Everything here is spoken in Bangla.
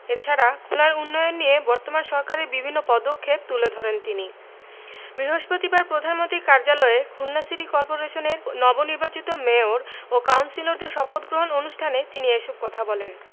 এছাড়া খুলনার উন্নয়ন নিয়ে বর্তমান সরকারের বিভিন্ন পদক্ষেপ তুলে ধরেন তিনি বৃহস্পতিবার প্রধানমন্ত্রীর কার্যালয়ে খুলনা সিটি কর্পোরেশনের নবনির্বাচিত মেয়র ও কাউন্সিলরদের শপথগ্রহণ অনুষ্ঠানে তিনি এসব কথা বলেন